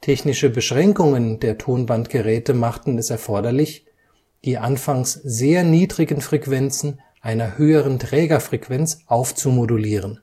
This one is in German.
Technische Beschränkungen der Tonbandgeräte machten es erforderlich, die anfangs sehr niedrigen Frequenzen einer höheren Trägerfrequenz aufzumodulieren